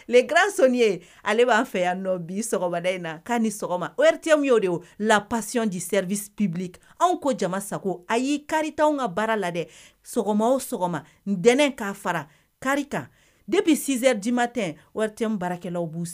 Nin granson ye ale b'a fɛ yan nɔ bi sɔgɔmada in na'a ni sɔgɔma oti'o de la pasiyɔn disɛp anw ko jama sago a y'i kari anw ka baara la dɛ sɔgɔma o sɔgɔma n ntɛnɛn k'a fara kari de bɛ sinsɛ d'i ma tɛ o tɛ baarakɛlawlaw'